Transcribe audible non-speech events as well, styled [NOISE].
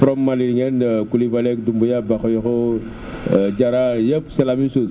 from Mali ngeen [HESITATION] Coulibaly Doumbia Bakhayokho [NOISE] [HESITATION] Diarra yëpp c' est la même chose